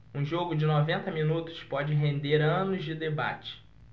um jogo de noventa minutos pode render anos de debate